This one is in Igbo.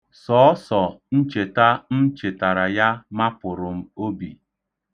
Sọọsọ ncheta m chetara ya mapụrụ m obi.